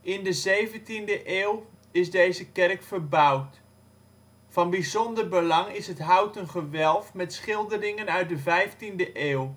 In de 17e eeuw is deze kerk verbouwd. Van bijzonder belang is het houten gewelf met schilderingen uit de 15e eeuw